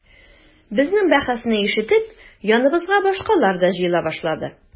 Безнең бәхәсне ишетеп яныбызга башкалар да җыела башлады.